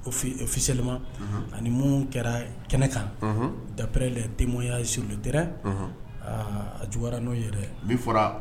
O fisililima ani minnu kɛra kɛnɛ kan daprarela denmoya steɛrɛ aa a juwa n'o ye n fɔra